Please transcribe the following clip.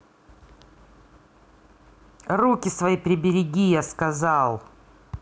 руки свои прибери я сказал